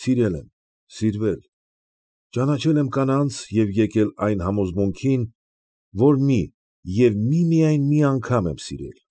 Սիրել եմ, սիրվել, ճանաչել եմ կանանց և եկել այն համոզունքին, որ մի և միմիայն մի անգամ եմ սիրել։